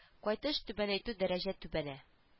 Кайтыш түбәнәйтү дәрәҗә түбәнә